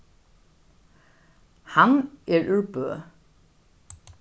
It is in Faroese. hann er úr bø